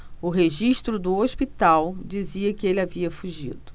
o registro do hospital dizia que ele havia fugido